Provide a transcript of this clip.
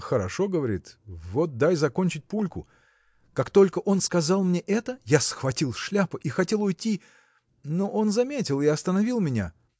Хорошо, говорит, вот дай докончить пульку. Как только он сказал мне это я схватил шляпу и хотел уйти но он заметил и остановил меня.